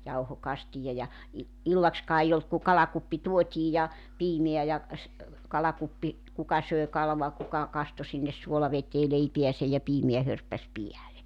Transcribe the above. jauhokastia ja - illaksikaan ei ollut kuin kalakuppi tuotiin ja piimää ja - kalakuppi kuka söi kalaa kuka kastoi sinne suolaveteen leipäänsä ja piimää hörppäsi päälle